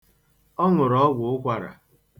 Ọ ṅụrụ ọgwụ ụkwara.